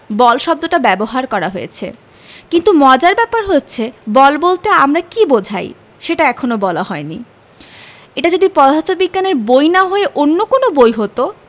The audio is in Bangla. বল শব্দটা ব্যবহার করা হয়েছে কিন্তু মজার ব্যাপার হচ্ছে বল বলতে আমরা কী বোঝাই সেটা এখনো বলা হয়নি এটা যদি পদার্থবিজ্ঞানের বই না হয়ে অন্য কোনো বই হতো